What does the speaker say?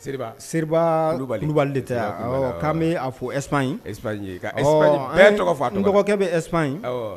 De tɛ k'an bɛ fɔ e tɔgɔ dɔgɔkɛ bɛ esp in